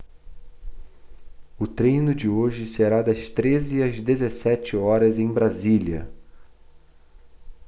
o treino de hoje será das treze às dezessete horas em brasília